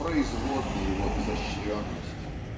производна его изощренность